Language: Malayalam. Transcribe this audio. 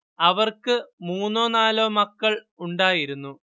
അവർക്ക് മൂന്നോ നാലോ മക്കൾ ഉണ്ടായിരുന്നു